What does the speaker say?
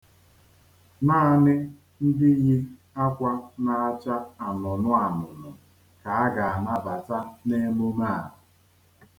Naanị ndị yi akwa na-acha anụnụanụnụ ka a ga-anabata n'emume a.